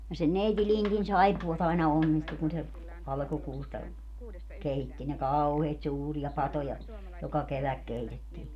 ja sen neiti Lindin saippuat aina onnistui kun se alkukuusta keitti ne kauheat suuria patoja joka kevät keitettiin